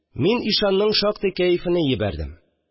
Мин ишанның шактый кәефене йибәрдем